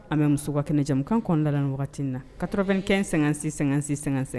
An bɛ musow ka kɛnɛ jɛmukan kɔnɔna la nin wagati in na 95 65 65 57